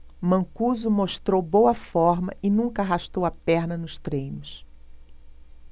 mancuso mostrou boa forma e nunca arrastou a perna nos treinos